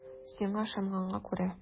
Сиңа ышанганга күрә.